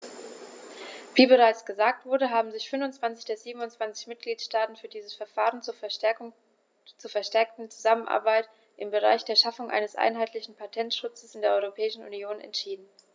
Wie bereits gesagt wurde, haben sich 25 der 27 Mitgliedstaaten für dieses Verfahren zur verstärkten Zusammenarbeit im Bereich der Schaffung eines einheitlichen Patentschutzes in der Europäischen Union entschieden.